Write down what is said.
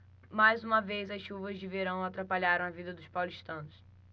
mais uma vez as chuvas de verão atrapalharam a vida dos paulistanos